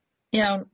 Iawn.